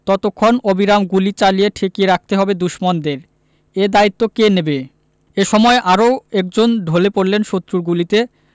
ততক্ষণ অবিরাম গুলি চালিয়ে ঠেকিয়ে রাখতে হবে দুশমনদের এ দায়িত্ব কে নেবে এ সময় আরও একজন ঢলে পড়লেন শত্রুর গুলিতে